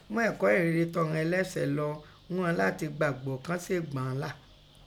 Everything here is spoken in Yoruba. Mú ẹ̀kọ́ ìyìnrere tọ ìghon ẹlẹ́sẹ̀ lọ ún ghon lati gbagbo kán sèè gbà ghon la.